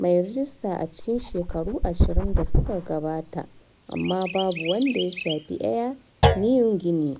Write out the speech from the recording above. mai rajista a cikin shekaru ashirin da suka gabata amma babu wanda ya shafi Air Niugini.